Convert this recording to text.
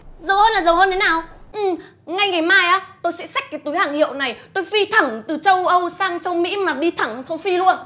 giàu hơn là giàu hơn thế nào um ngay ngày mau á tôi sẽ xách cái túi hàng hiệu này tôi phi thẳng từ châu âu sang châu mỹ mà bi thẳng châu phi luôn